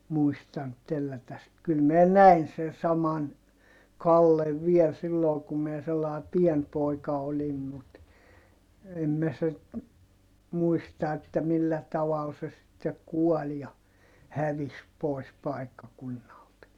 muistanut tellätä sitten kyllä minä näin sen saman Kallen vielä silloin kun minä sellainen pieni poika olin mutta en minä sitten muista että millä tavalla se sitten kuoli ja hävisi pois paikkakunnalta